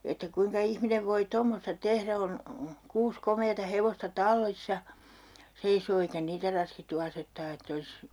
että kuinka ihminen voi tommoista tehdä on kuusi komeaa hevosta tallissa seisoo eikä niitä raskittu asettaa että olisi